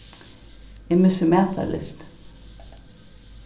eg missi matarlystin